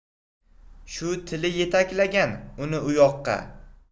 shu tili yetaklagan uni u yoqqa